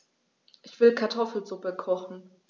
Ich will Kartoffelsuppe kochen.